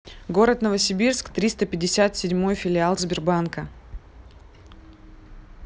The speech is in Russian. город новосибирск триста пятьдесят седьмой филиал сбербанка